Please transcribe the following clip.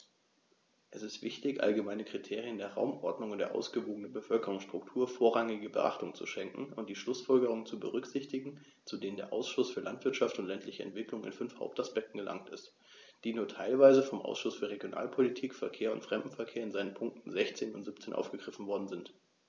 Es ist wichtig, allgemeinen Kriterien der Raumordnung und der ausgewogenen Bevölkerungsstruktur vorrangige Beachtung zu schenken und die Schlußfolgerungen zu berücksichtigen, zu denen der Ausschuss für Landwirtschaft und ländliche Entwicklung in fünf Hauptaspekten gelangt ist, die nur teilweise vom Ausschuss für Regionalpolitik, Verkehr und Fremdenverkehr in seinen Punkten 16 und 17 aufgegriffen worden sind.